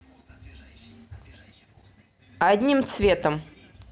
одним цветом